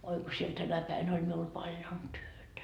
oi kun siellä tänä päivänä oli minulla paljon työtä